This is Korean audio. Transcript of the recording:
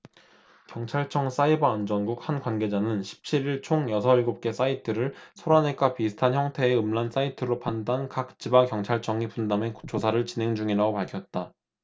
경찰청 사이버안전국 한 관계자는 십 칠 일 총 여섯 일곱 개 사이트를 소라넷과 비슷한 형태의 음란 사이트로 판단 각 지방경찰청이 분담해 조사를 진행중이라고 밝혔다